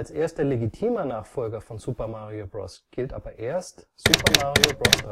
erster legitimer Nachfolger von Super Mario Bros. gilt aber erst Super Mario Bros